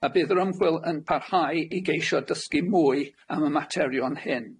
A bydd yr ymchwil yn parhau i geisio dysgu mwy am y materion hyn.